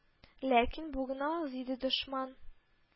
Ләкин бу гына аз иде дошман